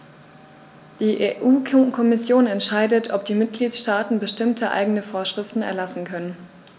Die EU-Kommission entscheidet, ob die Mitgliedstaaten bestimmte eigene Vorschriften erlassen können.